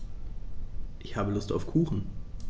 Ich habe Lust auf Kuchen.